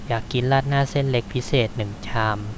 อยากกินราดหน้าเส้นเล็กพิเศษหนึ่งชาม